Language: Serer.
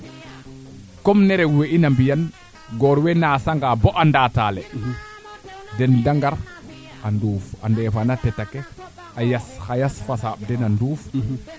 jafe jaje ke keete refa ten refu yee leek leek o ga oxaa saq na xalis sax bugo jik varieté fa leŋ to pour o ga'ino le